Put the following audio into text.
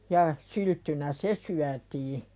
ja sylttynä se syötiin